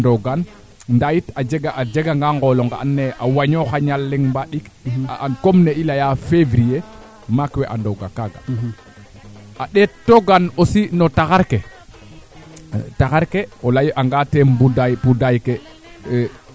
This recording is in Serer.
wala par rappord a teɓake a teɓake ren i mbooga ye nene saxit kaa ndaa o axo lene ten i moƴu ngoolu teen ndax anda ye bo jangoona manaam a arake ando naye kaa mboora na qoola ndaq fo ñaal ɓetik